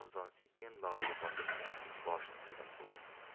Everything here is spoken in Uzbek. mirzoni sekin bag'riga bosib boshini silab qo'ydi